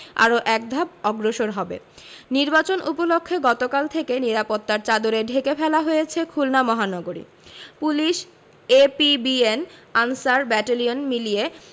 আরো একধাপ অগ্রসর হবে নির্বাচন উপলক্ষে গতকাল থেকে নিরাপত্তার চাদরে ঢেকে ফেলা হয়েছে খুলনা মহানগরী পুলিশ এপিবিএন আনসার ব্যাটালিয়ন মিলিয়ে